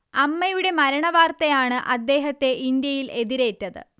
അമ്മയുടെ മരണവാർത്തയാണ് അദ്ദേഹത്തെ ഇന്ത്യയിൽ എതിരേറ്റത്